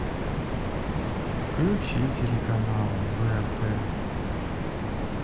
включи телеканал врт